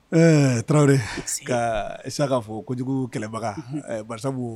Ɛɛ tarawelewre nka i tila k'a fɔ ko kojugu kɛlɛbaga barasa